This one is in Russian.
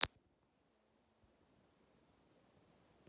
ты очень